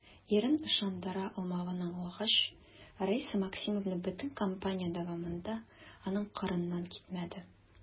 Ирен ышандыра алмавын аңлагач, Раиса Максимовна бөтен кампания дәвамында аның кырыннан китмәде.